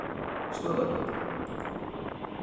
støðlagøta